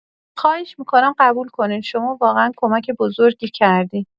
خواهش می‌کنم قبول کنین، شما واقعا کمک بزرگی کردین.